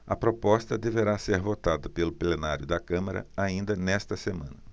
a proposta deverá ser votada pelo plenário da câmara ainda nesta semana